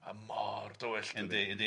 ma' mor dywyll, dydi? Yndi yndi.